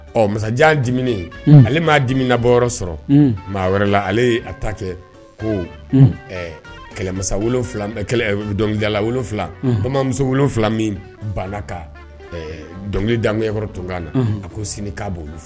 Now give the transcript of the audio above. Ɔ masajan di ale maa dimina nabɔ yɔrɔ sɔrɔ maa wɛrɛla ale a ta kɛ ko kɛlɛmasa dɔnkilijala wolonwula bamananmanmusofila min banna ka dɔnkili dankɛ yɔrɔ tunkan na a ko sini k'a b'